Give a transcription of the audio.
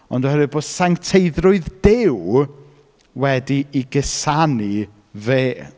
Ond oherwydd bod sancteiddrwydd Duw wedi ei gusanu fe.